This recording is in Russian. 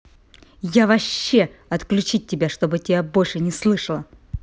я вообще отключить тебя чтобы тебя больше не слышала